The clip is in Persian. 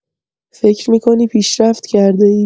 فکر می‌کنی پیشرفت کرده‌ای؟